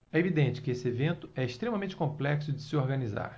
é evidente que este evento é extremamente complexo de se organizar